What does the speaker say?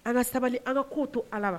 An ka sabali an ko to ala ma